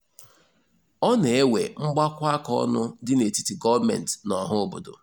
Ọ na-ewe mgbakọakaọnụ dị n'etiti gọọmentị na ọha obodo.